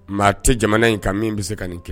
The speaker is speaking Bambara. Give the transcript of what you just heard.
Maa tɛ jamana in kan min bɛ se ka nin kɛ